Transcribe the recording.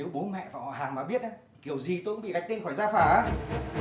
nếu bố mẹ và họ hàng mà biết á kiểu gì tôi cũng bị gạch tên khỏi gia phả